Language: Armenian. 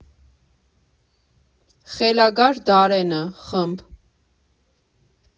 Խելագար Դարենը ֊ խմբ.